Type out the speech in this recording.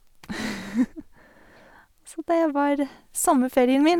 Så det var sommerferien min.